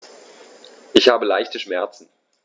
Ich habe leichte Schmerzen.